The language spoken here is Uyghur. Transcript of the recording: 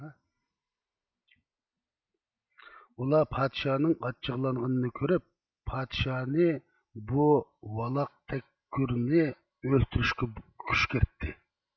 ئۇلار پادىشاھنىڭ ئاچچىقلانغىنى كۆرۈپ پادىشاھنى بۇ ۋالاقتەككۈرنى ئۆلتۈرۈشكە كۈشكۈرتتى